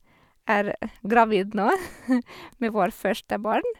Er gravid nå, med vår første barn.